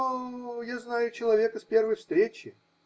-- О, я знаю человека с первой встречи.